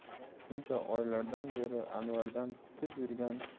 shuncha oylardan beri anvardan kutib